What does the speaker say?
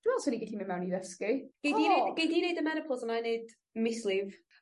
Dwi me'wl swn ni gallu myn' mewn i ddysgu. Gei di gei di neud y menopos a 'nai neud mislif.